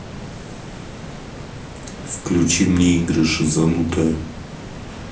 включи мне игры шизанутая